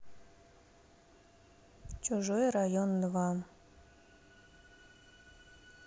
чужой район два